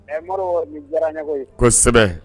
Ni diyara kosɛbɛ